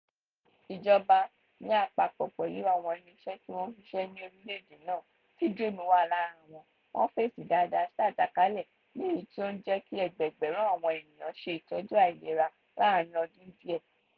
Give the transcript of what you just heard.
Ìjọba, ní àpapọ̀ pẹ̀lú àwọn ilé iṣẹ́ tí wọ́n ń ṣiṣẹ́ ní orílẹ̀ èdè náà, tí DREAM wà lára wọn, wọ́n fèsì daada sí àjàkálẹ̀ náà, ní èyí tí ó ń jẹ́ kí ẹgbẹẹgbẹ̀rún àwọn ènìyàn ṣe ìtọ́jú àìlera láàárín ọdún díẹ̀.